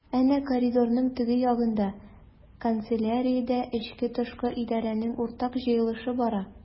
Әнә коридорның теге ягында— канцеляриядә эчке-тышкы идарәнең уртак җыелышы бара.